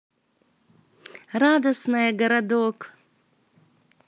радостная городок